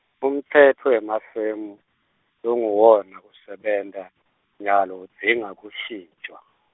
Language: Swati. umtsetfo wemafemu longuwona usebenta, nyalo udzinga kushintjwa.